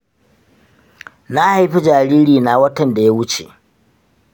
na haifi jariri na watan da ya wuce